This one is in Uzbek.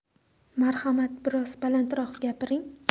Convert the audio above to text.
marhamat biroz balandroq gapiring